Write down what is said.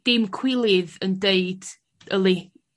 dim cwilydd yn deud yli